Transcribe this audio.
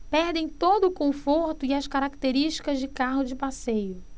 perdem todo o conforto e as características de carro de passeio